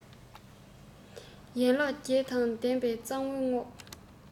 ཡན ལག བརྒྱད དང ལྡན པའི གཙང བོའི ངོགས